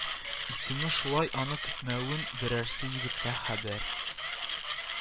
Исеме шулай аны көтмәвен берәрсе егеткә хәбәр